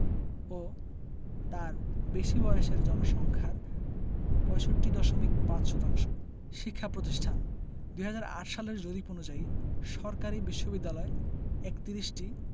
ও তার বেশি বয়সের জনসংখ্যার ৬৫.৫ শতাংশ শিক্ষাপ্রতিষ্ঠানঃ ২০০৮ সালের জরিপ অনুযায়ী সরকারি বিশ্ববিদ্যালয় ৩১টি